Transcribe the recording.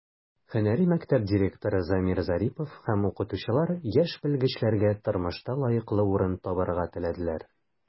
Һөнәри мәктәп директоры Замир Зарипов һәм укытучылар яшь белгечләргә тормышта лаеклы урын табарга теләделәр.